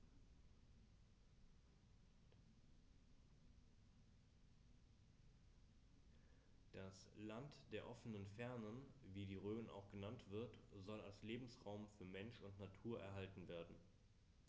Das „Land der offenen Fernen“, wie die Rhön auch genannt wird, soll als Lebensraum für Mensch und Natur erhalten werden.